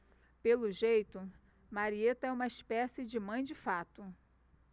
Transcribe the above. pelo jeito marieta é uma espécie de mãe de fato